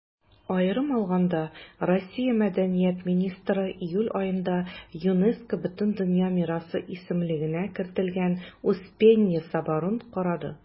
Аерым алганда, Россия Мәдәният министры июль аенда ЮНЕСКО Бөтендөнья мирасы исемлегенә кертелгән Успенья соборын карады.